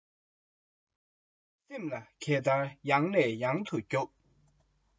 ལམ བུ འདི ནི སེམས པ དྲུང གི ལམ